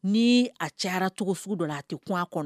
Ni a ca cogogo sugu don a tɛ kuma kɔnɔ